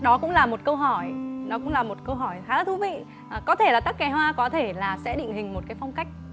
đó cũng là một câu hỏi đó cũng là một câu hỏi khá là thú vị có thể là tắc kè hoa có thể là sẽ định hình một cái phong cách